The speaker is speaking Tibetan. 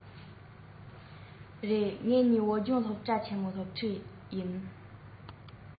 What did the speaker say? ཁྱིམ ཚང དབུལ པོ ཞིག ལ མཚོན ན དེ ནི ཉེས དམིགས ཆེན པོའི གྲས ཤིག ཏུ བརྩི ངེས རེད